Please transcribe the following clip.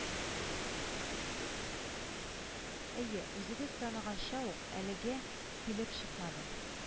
Әйе, үзегез таныганча ук: «Әлегә килеп чыкмады